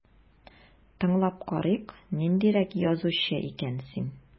Тыңлап карыйк, ниндирәк язучы икән син...